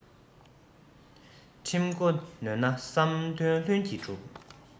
ཁྲིམས འགོ ནོན ན བསམ དོན ལྷུན གྱིས འགྲུབ